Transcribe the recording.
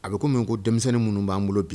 A bɛ komi ko denmisɛnnin minnu b'an bolo bi